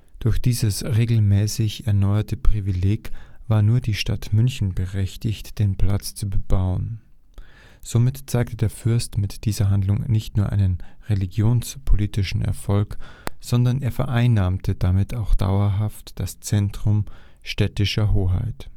Durch dieses regelmäßig erneuerte Privileg war nur die Stadt München berechtigt, den Platz zu bebauen. Somit zeigte der Fürst mit dieser Handlung nicht nur seinen religionspolitischen Erfolg, sondern er vereinnahmte damit auch dauerhaft das Zentrum städtischer Hoheit